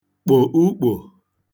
kpo ukpò